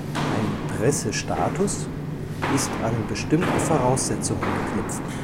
Ein Pressestatus ist an bestimmte Voraussetzungen geknüpft